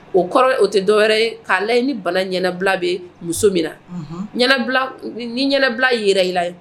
O kɔrɔ o tɛ dɔwɛrɛ k'a la ye ni bala ɲɛnabila bɛ muso min na ni ɲɛnabila i yɛrɛ i la yen